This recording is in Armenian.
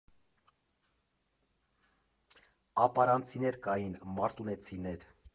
Ապարանցիներ կային, մարտունեցիներ։